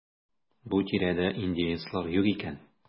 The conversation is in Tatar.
Бу тирәдә индеецлар юк икән.